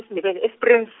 isiNdebele e- Springs.